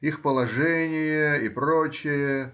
Их положение и прочее.